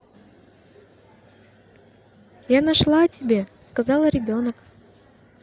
я нашла тебе сказала ребенок